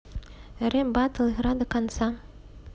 рэп батл игра до конца